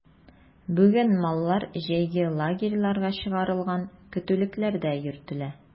Бүген маллар җәйге лагерьларга чыгарылган, көтүлекләрдә йөртелә.